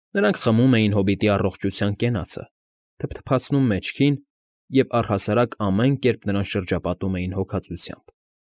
Նրանք խմում էին հոբիտի առողջության կենացը, թփթփացնում մեջքին և առհասարակ ամեն կերպ նրան շրջապատում էին հոգածությամբ։